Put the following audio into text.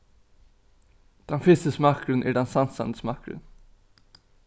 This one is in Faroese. tann fyrsti smakkurin er tann sansandi smakkurin